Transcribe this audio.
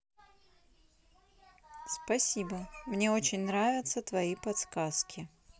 спасибо мне очень нравятся твои подсказки